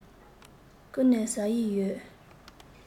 བརྐུས ནས ཟ ཡི ཡོད